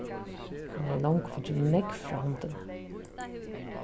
hann hevði longu fingið nógv frá hondini